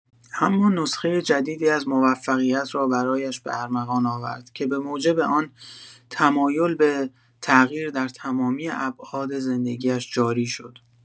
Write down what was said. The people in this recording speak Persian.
اما نسخه جدیدی از موفقیت را برایش به ارمغان آورد که به‌موجب آن، تمایل به تغییر در تمامی ابعاد زندگی‌اش جاری شد.